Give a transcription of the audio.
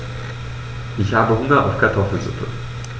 Ich habe Hunger auf Kartoffelsuppe.